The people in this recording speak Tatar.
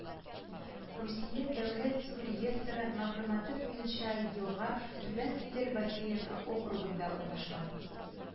Русия дәүләт су реестры мәгълүматы буенча елга Түбән Идел бассейн округында урнашкан